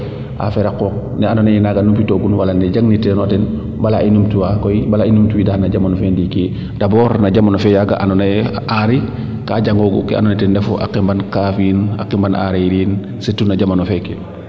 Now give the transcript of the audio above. affaire a qooq ando naye naaga nu mbi togun wala ne jang ni teena o ten bala i numtu waa koy bala i numtu wiida no jamano fee ndiiki d' abord no jamano fee yaaga ando naye Henri ka jangogu kee ando naye ten reu a qeman kaafiin a qeman areer iin surtout no jamano feeke